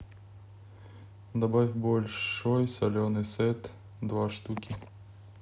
добавь большой соленый сет два штуки